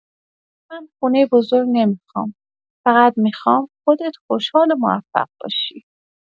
من خونه بزرگ نمی‌خوام، فقط می‌خوام خودت خوشحال و موفق باشی.